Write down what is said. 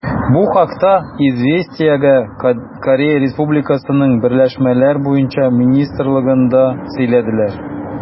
Бу хакта «Известия»гә Корея Республикасының берләшмәләр буенча министрлыгында сөйләделәр.